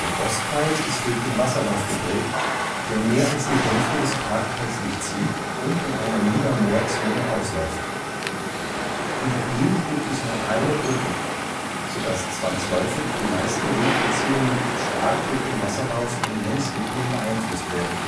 Ostteil ist durch den Wasserlauf geprägt, der mehr als die Hälfte des Parkteils durchzieht und in einer Niedermoorzone ausläuft. Über ihn gibt es nur eine Brücke, so dass zwangsläufig die meisten Wegbeziehungen stark durch den Wasserlauf in Längsrichtung beeinflusst werden